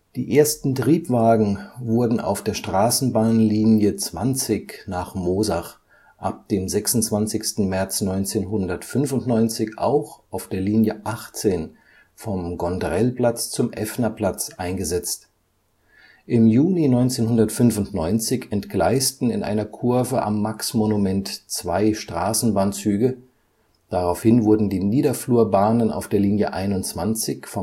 Die ersten Triebwagen wurde auf der Straßenbahnlinie 20 nach Moosach, ab dem 26. März 1995 auch auf der Linie 18 vom Gondrellplatz zum Effnerplatz, eingesetzt. Im Juni 1995 entgleisten in einer Kurve am Maxmonument zwei Straßenbahnzüge, daraufhin wurden die Niederflurbahnen auf der Linie 21